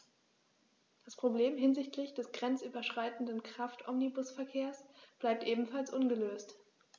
Das Problem hinsichtlich des grenzüberschreitenden Kraftomnibusverkehrs bleibt ebenfalls ungelöst.